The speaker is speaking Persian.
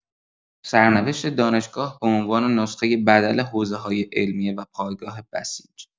سرنوشت دانشگاه به‌عنوان نسخۀ بدل حوزه‌های علمیه و پایگاه بسیج